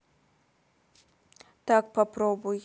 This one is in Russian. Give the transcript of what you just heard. так попробуй